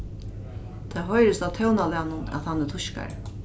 tað hoyrist á tónalagnum at hann er týskari